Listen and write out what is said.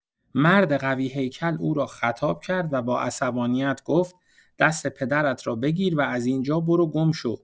مرد قوی‌هیکل او را خطاب کرد و با عصبانیت گفت: «دست پدرت را بگیر و از این‌جا برو گم شو.»